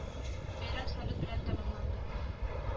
Бәйрәм салют белән тәмамланды